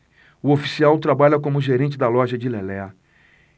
o oficial trabalha como gerente da loja de lelé